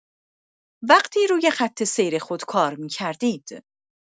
وقتی روی خط سیر خود کار می‌کردید.